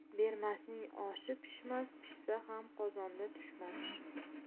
bermasning oshi pishmas pishsa ham qozondan tushmas